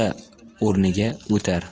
ota o'rniga o'tar